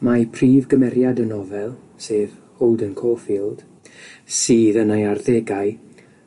Mae prif gymeriad y nofel, sef Holden Caulfield, sydd yn ei arddegau